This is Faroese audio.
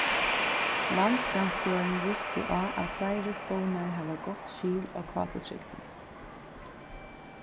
landsgrannskoðanin vísir á at fleiri stovnar hava gott skil á kt-trygdini